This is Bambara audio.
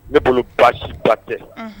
Ne bolo baasiba tɛ